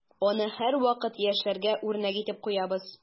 Аны һәрвакыт яшьләргә үрнәк итеп куябыз.